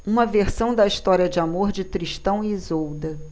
uma versão da história de amor de tristão e isolda